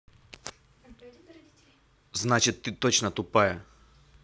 значит ты точно тупая